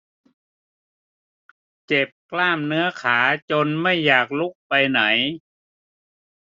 เจ็บกล้ามเนื้อขาจนไม่อยากลุกไปไหน